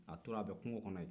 a tora a bɛ kungo kɔnɔ ye